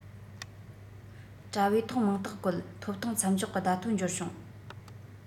དྲ བའི ཐོག མིང རྟགས བཀོད ཐོབ ཐང མཚམས འཇོག གི བརྡ ཐོ འབྱོར བྱུང